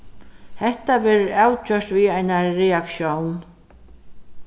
hetta verður avgjørt við einari reaktión